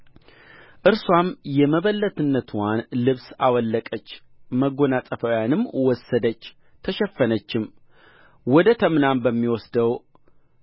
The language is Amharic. እርስዋም የመበለትነትዋን ልብስ አወለቀች መጎናጸፊያዋንም ወሰደች ተሸፈነችም ወደ ተምናም በሚወስደው